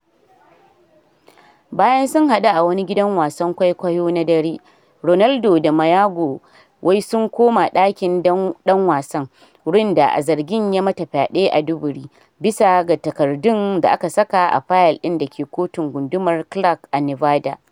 Bayan sun hadu a wani gidan wasan kwaikwayo na dare, Ronaldo da Mayorga wai sun koma dakin dan wasan, wurin da a zargin ya mata fyaɗe a duburi, bisa ga takardun da aka saka a fayil ɗin dake Kotun Gundumar Clark a Nevada.